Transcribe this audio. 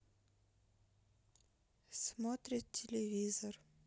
смотрит телевизор